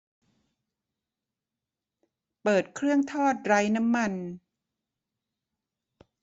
เปิดเครื่องทอดไร้น้ำมัน